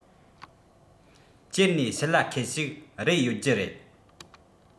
འགྱེལ ནས ཤི ལ ཁད ཞིག རེད ཡོད རྒྱུ རེད